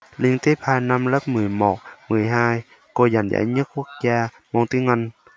liên tiếp hai năm lớp mười một mười hai cô giành giải nhất quốc gia môn tiếng anh